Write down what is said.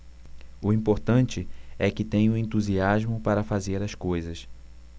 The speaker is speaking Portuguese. o importante é que tenho entusiasmo para fazer as coisas